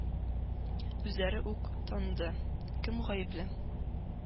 Үзләре үк таныды. кем гаепле?